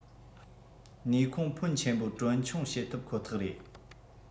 ནུས ཁུངས ཕོན ཆེན པོ གྲོན ཆུང བྱེད ཐུབ ཁོ ཐག རེད